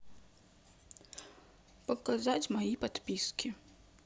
показать мои подписки